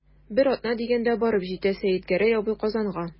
Бер атна дигәндә барып җитә Сәетгәрәй абый Казанга.